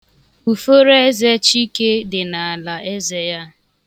Uforoeze Chike dị n'ala eze ya.